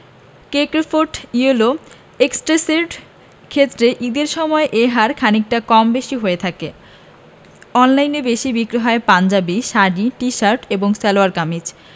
craft yellow এক্সট্যাসির ক্ষেত্রে ঈদের সময় এ হার খানিকটা কম বেশি হয়ে থাকে অনলাইনে বেশি বিক্রি হয় পাঞ্জাবি শাড়ি টি শার্ট এবং সালোয়ার কামিজ